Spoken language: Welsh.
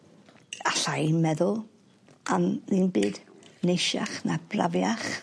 Alla 'im meddwl am ddim byd neisiach na brafiach